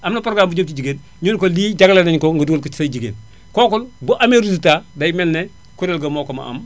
am na programme bu jëm ci jigéen ñu ne ko lii jagleel nañu ko nga dugal ko ci say jigéen kooku bu amee résults day mel ne kuréel ga moo ko mo am